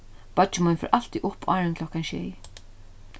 beiggi mín fer altíð upp áðrenn klokkan sjey